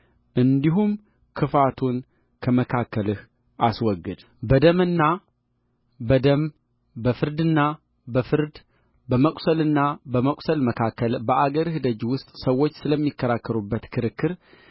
እንዲሁም ክፋቱን ከመካከልህ አስወግድ በደምና በደም በፍርድና በፍርድ በመቍሰልና በመቍሰል መካከል በአገርህ ደጅ ውስጥ ሰዎች ስለሚከራከሩበት ክርክር